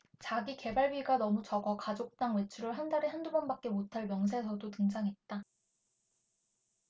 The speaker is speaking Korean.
자기계발비가 너무 적어 가족당 외출을 한 달에 한 두 번밖에 못할 명세서도 등장했다